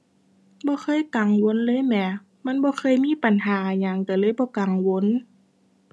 บ่เคยกังวลเลยแหม มันบ่เคยมีปัญหาหยังก็เลยบ่กังวล